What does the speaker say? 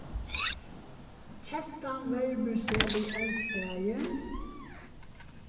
kettan vermir seg við eldstaðin